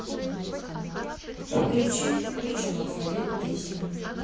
включи учим алфавит песнями